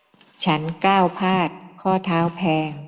ฉันก้าวพลาดข้อเท้าแพลง